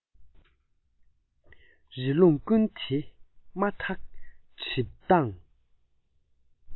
རི ཀླུང ཀུན དེ མ ཐག གྲིབ མདངས